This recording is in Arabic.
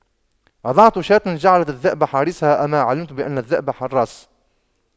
أضعت شاة جعلت الذئب حارسها أما علمت بأن الذئب حراس